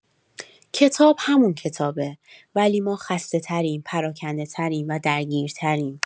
کتاب همون کتابه، ولی ما خسته‌تریم، پراکنده‌تریم و درگیرتریم.